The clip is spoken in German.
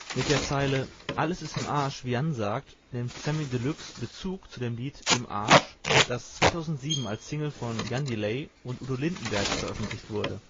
Mit der Zeile „ Alles ist im Arsch wie Jan sagt “, nimmt Samy Deluxe Bezug zu dem Lied Im Arsch, das 2007 als Single von Jan Delay und Udo Lindenberg veröffentlicht wurde